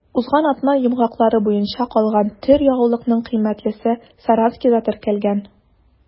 Узган атна йомгаклары буенча калган төр ягулыкның кыйммәтлесе Саранскида теркәлгән.